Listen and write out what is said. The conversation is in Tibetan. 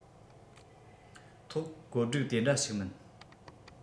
ཐོག བཀོད སྒྲིག དེ འདྲ ཞིག མིན